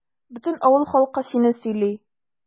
Бөтен авыл халкы сине сөйли.